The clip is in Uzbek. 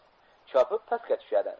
chopib pastga tushadi